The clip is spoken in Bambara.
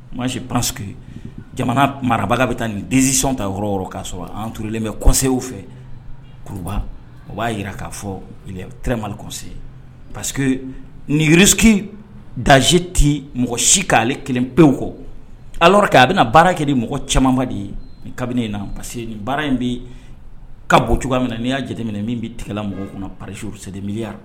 O mana se pa jamana marabaga bɛ taa nin densisi ta yɔrɔ yɔrɔ k kaa sɔrɔ an turlen bɛ kɔw fɛ kuruba o b'a jira k'a fɔ tma kɔ pa parce que niirisi dasi tɛ mɔgɔ si k'ale kelen pewuw kɔ ala kan a bɛna baara kɛ di mɔgɔ caman de ye kabini na parce que nin baara in bɛ ka bon cogoya min n'i y'a jate minɛ min bɛ tigɛla mɔgɔ kɔnɔ pasiurusɛ miya